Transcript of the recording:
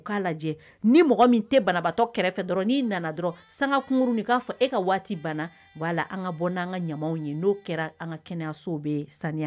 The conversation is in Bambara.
K'a lajɛ ni mɔgɔ min tɛ banabagatɔ kɛrɛfɛ dɔrɔn ni nana dɔrɔn sankunurun k'a fɔ e ka waati bana b'a la an ka bɔ n' an ka ɲaw ye n'o kɛra an ka kɛnɛyaso bɛ sanya